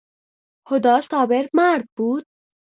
هدی صابر مرد بود؟